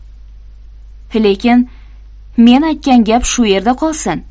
lekin men aytgan gap shu yerda qolsin